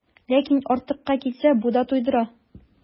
Ләкин артыкка китсә, бу да туйдыра.